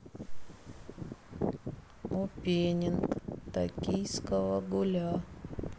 опенинг токийского гуля